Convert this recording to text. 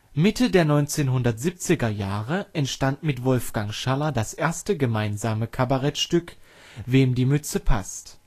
Mitte der 1970er Jahre entstand mit Wolfgang Schaller das erste gemeinsame Kabarettstück Wem die Mütze passt